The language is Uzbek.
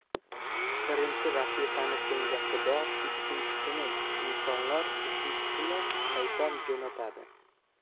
birinchi rafiqani senga xudo ikkinchisini insonlar uchinchisini shayton jo'natadi